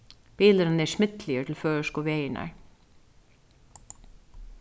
bilurin er smidligur til føroysku vegirnar